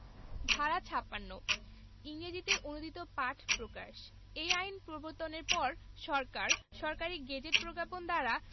ধারা ৫৬ ইংরেজীতে অনুদিত পাঠ প্রকাশ এই আইন প্রবর্তনের পর সরকার সরকারী গেজেট প্রজ্ঞাপন দ্বারা